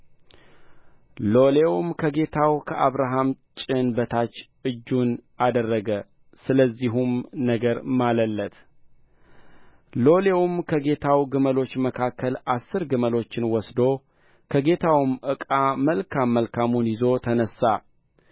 ሎሌውም ከጌታው ከአብርሃም ጭን በታች እጁን አደረገ ስለዚሁም ነገር ማለለት ሎሌውም ከጌታው ግመሎች መካከል አሥር ግመሎችን ወስዶ ከጌታውም ዕቃ መልካም መልካሙን ይዞ ተነሣ